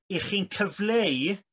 i chi'n cyfleu